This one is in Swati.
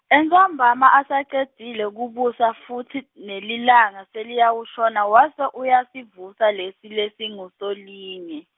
entsambama asacedzile kubusa futsi, nelilanga seliyawashona wase uyasivusa lesi lesinguSolinye.